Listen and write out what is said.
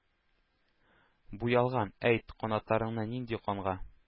Буялган, әйт, канатларың нинди канга?» —